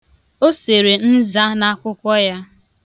O sere nza n' akwụkwọ ya.